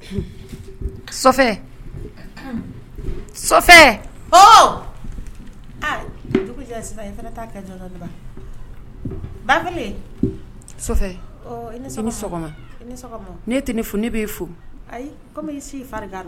Ba tɛ ne furu ne b'i fo